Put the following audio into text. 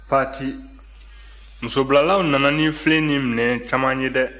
pati musobilalaw nana ni filen ni minɛn caman ye dɛ